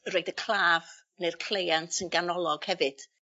roid y claf neu'r cleiant yn ganolog hefyd